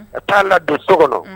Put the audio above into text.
Ka t'a la don so kɔnɔ